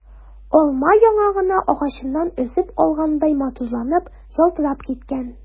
Алма яңа гына агачыннан өзеп алгандай матурланып, ялтырап киткән.